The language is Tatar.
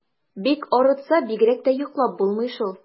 Бик арытса, бигрәк тә йоклап булмый шул.